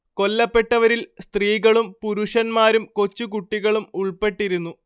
കൊല്ലപ്പെട്ടവരിൽ സ്ത്രീകളും പുരുഷന്മാരും കൊച്ചു കുട്ടികളും ഉൾപ്പെട്ടിരുന്നു